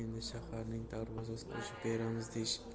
endi shaharning darvozasini ochib beramiz deyishibdi